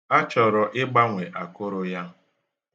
A chọrọ igbanwe akụrụ ya.